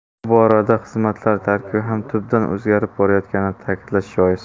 bu borada xizmatlar tarkibi ham tubdan o'zgarib borayotganini ta'kidlash joiz